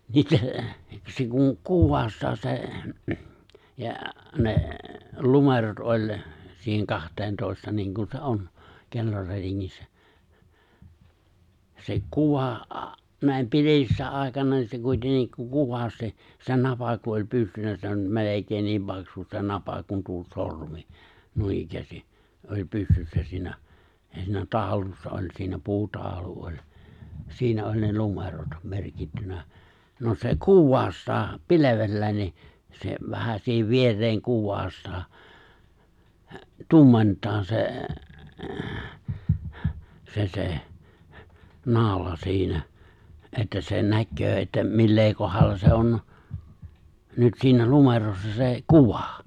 niitä se kun kuvastaa se ja ne numerot oli siihen kahteentoista niin kuin se on kellorätingissä se kuva näin pilvisenä aikana niin se kuitenkin kun kuvasti se napa kun oli pystyssä melkein niin paksu se napa kuin tuo sormi noinikään oli pystyssä siinä siinä taulussa oli siinä puutaulu oli siinä oli ne numerot merkittynä no se kuvastaa pilvellä niin se vähän siihen viereen kuvastaa tummentaa se se se naula siinä että sen näkee että millä kohdalla se on nyt siinä numerossa se kuva